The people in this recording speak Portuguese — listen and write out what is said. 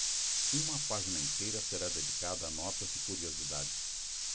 uma página inteira será dedicada a notas e curiosidades